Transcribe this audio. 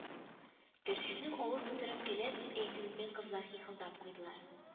Кәшифнең авыз тутырып «кәләш» дип әйтүеннән кызлар хихылдап куйдылар